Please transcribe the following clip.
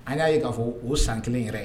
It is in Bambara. An y'a ye k' fɔ o san kelen yɛrɛ ye